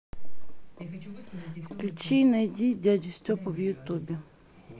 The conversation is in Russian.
включи найди дядю степу в ютубе